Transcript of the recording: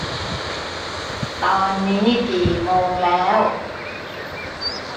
ตอนนี้กี่โมงแล้ว